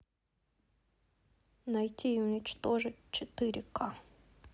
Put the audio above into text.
найти и уничтожить четыре ка